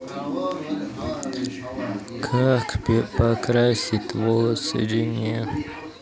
как покрасить волосы жене